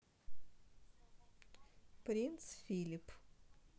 принц филипп